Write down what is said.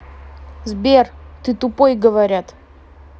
сбер ты тупой говорят